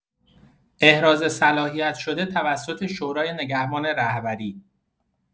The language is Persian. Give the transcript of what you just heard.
احراز صلاحیت شده توسط شورای نگهبان رهبری